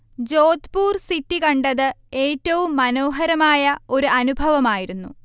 Jodhpur city കണ്ടത് ഏറ്റവും മനോഹരമായ ഒരനുഭവമായിരുന്നു